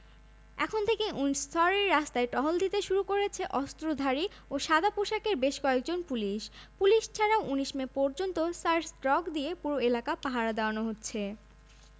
উপহার prince Harry ও মেগান মার্কেলের বিয়েতে যাঁরা নিমন্ত্রণ পেয়েছেন তাঁরা সবাই খুব গণ্যমান্য ব্যক্তি রাজপরিবারের বিয়েতে তাঁরা খালি হাতে আসেন কী করে